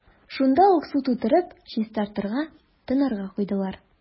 Шунда ук су тутырып, чистарырга – тонарга куйдылар.